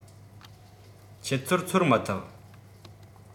ཁྱེད ཚོར ཚོར མི ཐུབ